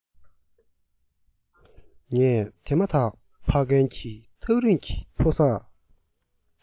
ངས དེ མ ཐག ཕ རྒན གྱིས ཐག རིང གི མཐོ ས